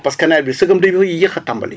parce que nawet bi sëgëm dañuy yéex a tàmbali